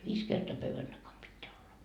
viisi kertaa pöydän takana pitää olla